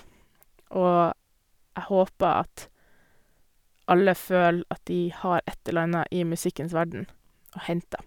Og jeg håper at alle føler at de har et eller anna i musikkens verden å hente, da.